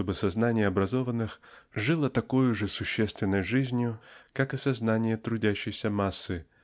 чтобы сознание образованных жило такою же существенной жизнью как и сознание трудящейся массы